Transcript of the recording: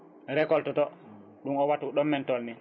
récolte to ɗum o wattu ko ɗon min tolni